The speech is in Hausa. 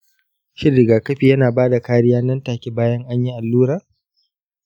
shin rigakafi yana ba da kariya nan take bayan an yi allura?